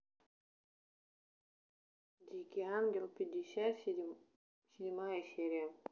дикий ангел пятьдесят седьмая серия